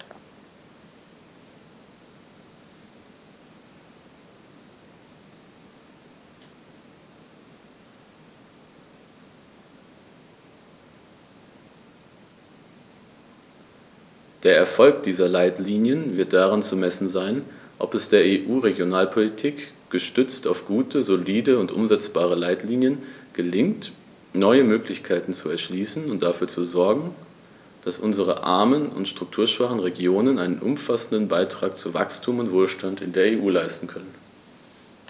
Der Erfolg dieser Leitlinien wird daran zu messen sein, ob es der EU-Regionalpolitik, gestützt auf gute, solide und umsetzbare Leitlinien, gelingt, neue Möglichkeiten zu erschließen und dafür zu sogen, dass unsere armen und strukturschwachen Regionen einen umfassenden Beitrag zu Wachstum und Wohlstand in der EU leisten können.